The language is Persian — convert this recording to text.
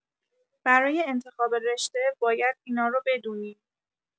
برای انتخاب رشته باید اینارو بدونیم.